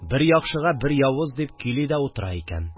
– бер яхшыга – бер явыз! – дип көйли дә утыра икән